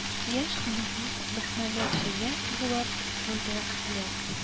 Яшь гомерләр мөһмәлят чәйнәп була монда һәлак